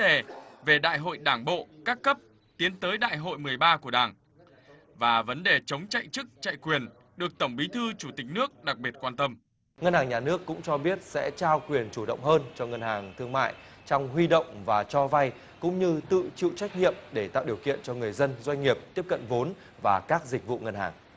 đề về đại hội đảng bộ các cấp tiến tới đại hội mười ba của đảng và vấn đề chống chạy chức chạy quyền được tổng bí thư chủ tịch nước đặc biệt quan tâm ngân hàng nhà nước cũng cho biết sẽ trao quyền chủ động hơn cho ngân hàng thương mại trong huy động và cho vay cũng như tự chịu trách nhiệm để tạo điều kiện cho người dân doanh nghiệp tiếp cận vốn và các dịch vụ ngân hàng